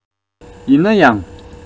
ཡིན ན ཡང